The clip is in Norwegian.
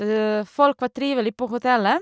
Folk var trivelig på hotellet.